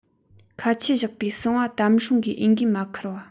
ཁ ཆད བཞག པའི གསང བ དམ སྲུང གི འོས འགན མ ཁུར བ